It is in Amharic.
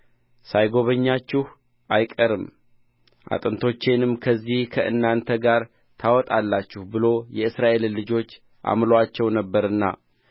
ሳይጎበኛችሁ አይቀርም አጥንቶቼንም ከዚህ ከእናንተ ጋር ታወጣላችሁ ብሎ የእስራኤልን ልጆች አምሎአቸው ነበርና